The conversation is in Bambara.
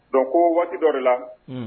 Donc ko waati dɔ de la, unhun.